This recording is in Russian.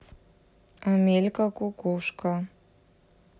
амелька кукушка